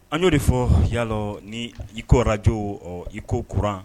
An y'o de fɔ yalalɔ ni ikoraj iko kuran